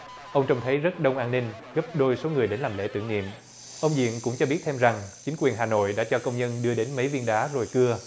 ông trông thấy rất đông an ninh gấp đôi số người đến làm lễ tưởng niệm ông diện cũng cho biết thêm rằng chính quyền hà nội đã cho công nhân đưa đến mấy viên đá rồi cưa